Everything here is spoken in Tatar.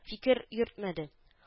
Фикер йөртмәде